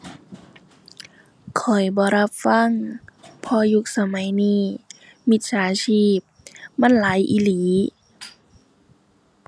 ข้อยบ่รับฟัง เพราะยุคสมัยนี้มิจฉาชีพมันหลายอีหลี